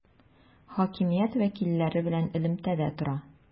Хакимият вәкилләре белән элемтәдә тора.